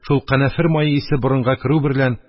Шул канәфер мае исе борынга керү берлән,